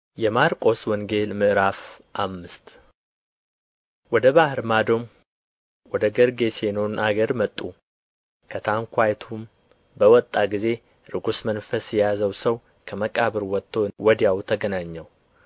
የማርቆስ ወንጌል ምዕራፍ አምስት ወደ ባሕር ማዶም ወደ ጌርጌሴኖን አገር መጡ ከታንኳይቱም በወጣ ጊዜ ርኵስ መንፈስ የያዘው ሰው ከመቃብር ወጥቶ ወዲያው ተገናኘው